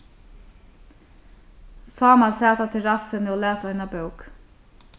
sámal sat á terrassuni og las eina bók